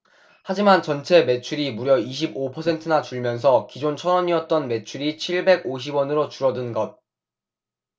하지만 전체 매출이 무려 이십 오 퍼센트나 줄면서 기존 천 원이었던 매출이 칠백 오십 원으로 줄어든 것